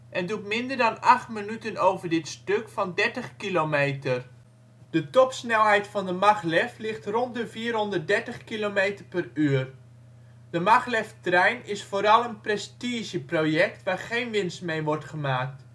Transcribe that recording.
en doet minder dan acht minuten over dit stuk van 30 kilometer. De topsnelheid van de Maglev ligt rond de 430 kilometer per uur. De Maglev-trein is vooral een prestige project waar geen winst mee wordt gemaakt